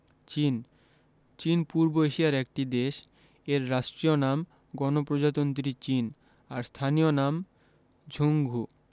চীন চীন পূর্ব এশিয়ার একটি দেশ এর রাষ্ট্রীয় নাম গণপ্রজাতন্ত্রী চীন আর স্থানীয় নাম ঝুংঘু